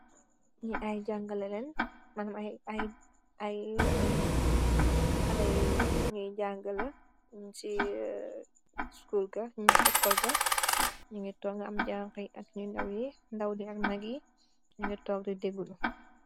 Nyii aye halle youye janga la noung ci ecolga noungee tok di diglou